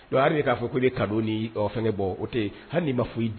Wa hali k'a fɔ ko n ye cadeau ni, fɛnkkɛ bɔ, o t'ɛ yen hali n'i ma foyi di